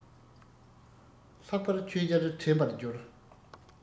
ལྷག པར ཆོས རྒྱལ དྲན པར འགྱུར